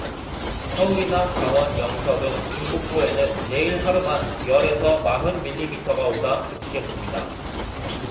서울이나 강원 영서 등 중북부에는 내일 하루만 열 에서 마흔 밀리미터가 오다 그치겠습니다